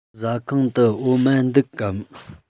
ཟ ཁང དུ འོ མ འདུག གམ